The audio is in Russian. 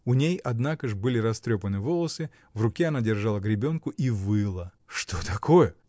У ней, однако ж, были растрепаны волосы, в руке она держала гребенку и выла. — Что такое?